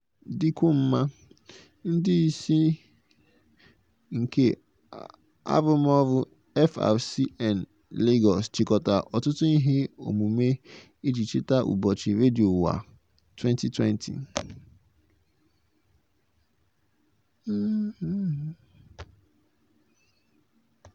Iji mee ka Naịjirịa dịkwuo mma, ndị isi nke Arụmọrụ FRCN Lagos chịkọtara ọtụtụ ihe omume iji cheta Ụbọchị Redio Uwa 2020.